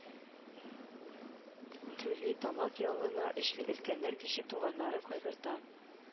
Түли, тамак ялына эшли, өлкәннәр кече туганнарын кайгырта